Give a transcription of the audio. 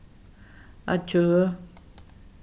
adjø